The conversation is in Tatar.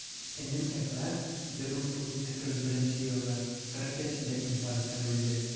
Энем Әкрам, 1941 елгы, 40 яшендә инфаркттан үлде.